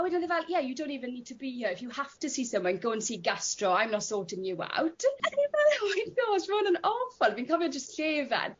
a wedyn o'dd e fel yeah yo non' even need to be here if you have to see someone go an' see gastro I'm not sorting you out. Ag o'n i fel oh my gosh ma' hwn yn awful fi'n cofio jyst llefen.